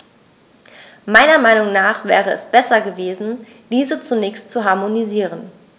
Meiner Meinung nach wäre es besser gewesen, diese zunächst zu harmonisieren.